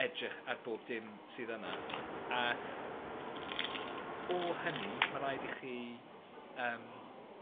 edrych ar bob dim sydd yna. A o hynny ma' raid i chi yym